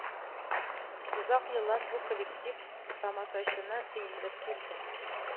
Озак еллар бу коллектив тамашачыны сөендереп килде